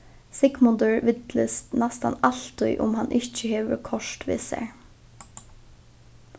sigmundur villist næstan altíð um hann ikki hevur kort við sær